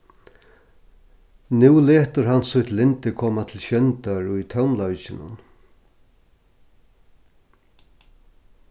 nú letur hann sítt lyndi koma til sjóndar í tónleikinum